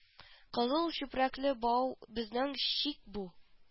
Кызыл чүпрәкле бау безнең чик бу